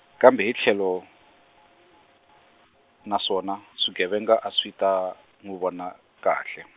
kambe hi tlhelo, na swona, swigevenga a swi ta, n'wi vona, kahle.